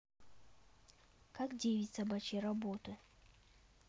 как девять собачья работа